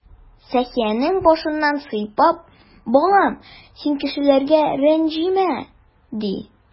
Сәхиянең башыннан сыйпап: "Балам, син кешеләргә рәнҗемә",— ди.